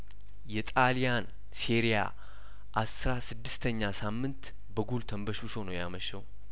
የጣልያን ሴሪአአስራ ስድስተኛ ሳምንት በጐል ተንበሽብሾ ነው ያመሸው